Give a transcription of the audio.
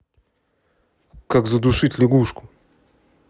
как задушить лягушку